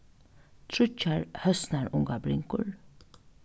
tríggjar høsnarungabringur